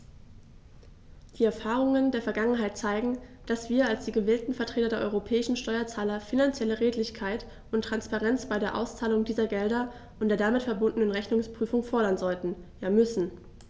Die Erfahrungen der Vergangenheit zeigen, dass wir als die gewählten Vertreter der europäischen Steuerzahler finanzielle Redlichkeit und Transparenz bei der Auszahlung dieser Gelder und der damit verbundenen Rechnungsprüfung fordern sollten, ja müssen.